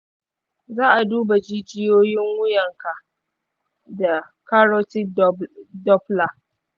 za,a duba jijiyoyin wuyan ka da carotid doppler